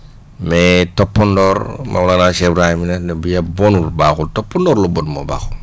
mais toppandoor Mawlana Cheikh Ibrahim ne bu ye bonul baaxul toppandoor lu bon moo baaxul